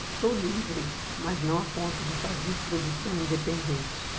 sou livre mas não a ponto de fazer produção independente